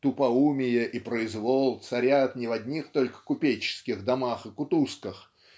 тупоумие и произвол царят не в одних только купеческих домах и кутузках